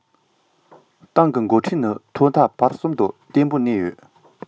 ཏང གི འགོ ཁྲིད ནི ཐོག མཐའ བར གསུམ དུ བརྟན པོར གནས ཡོད